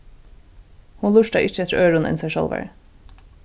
hon lurtar ikki eftir øðrum enn sær sjálvari